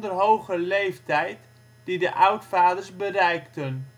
hoge leeftijd die de oudvaders bereikten